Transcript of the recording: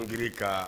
Rika